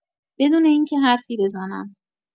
بدون اینکه حرفی بزنم